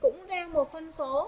cũng đang một phân số